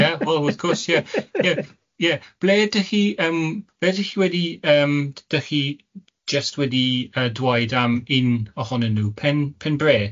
Ie wel wrth gwrs ie ie ie ble dych chi yym be dych chi wedi yym dych chi jyst wedi yy dwaud am un ohonyn nhw Pen- Pen- Bre?